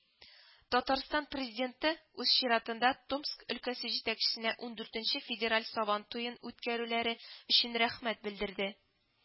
Татарстан Президенты, үз чиратында, Томск өлкәсе җитәкчесенә ундүртенче федераль Сабан туен үткәрүләре өчен рәхмәт белдерде